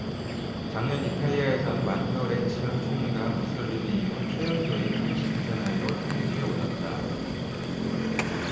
작년 이탈리아에선 마테오 렌치 현 총리가 무솔리니 이후 최연소인 삼십 구 세 나이로 총리직에 올랐다